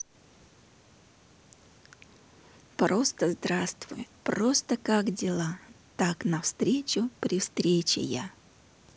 просто здравствуй просто как дела так начну при встрече я